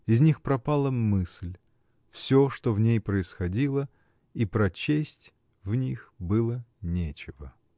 Из них пропала мысль, всё, что в ней происходило, и прочесть в них было нечего.